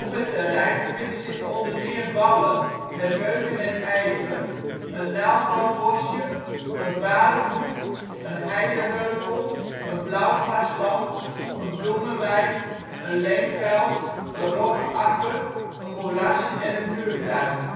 het terrein bevinden zich onder meer wallen met beuken en eiken, een naaldboombosje, een varenhoek, een heideheuvel, een blauwgrasland, een bloemenwei, een leemkuil, een roggeakker, een moerasje en een muurtuin